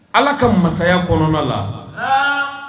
Ala ka masaya kɔnɔna la